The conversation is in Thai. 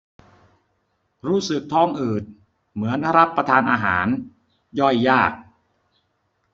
รู้สึกท้องอืดเหมือนรับประทานอาหารย่อยยาก